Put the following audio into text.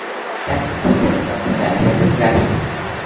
các cuộc thi tuyển vợ cho đại gia diễn ra khắp trung quốc